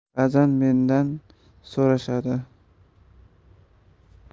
ba'zan mendan so'rashadi